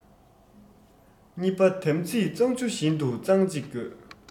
གཉིས པ དམ ཚིག གཙང ཆུ བཞིན དུ གཙང གཅིག དགོས